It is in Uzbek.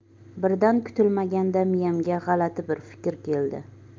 birdan kutilmaganda miyamga g'alati bir fikr keldi